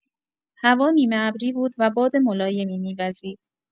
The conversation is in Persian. هوا نیمه‌ابری بود و باد ملایمی می‌وزید.